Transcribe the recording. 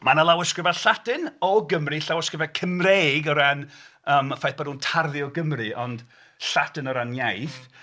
Mae 'na lawysgrifau Lladin o Gymru, llawysgrifau Cymreig o ran yym y ffaith bo' nhw'n tarddu o Gymru ond Lladin o ran iaith.